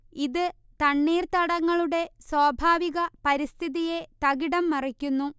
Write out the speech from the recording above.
ഇത് തണ്ണീർത്തടങ്ങളുടെ സ്വാഭാവിക പരിസ്ഥിതിയെ തകിടംമറിക്കുന്നു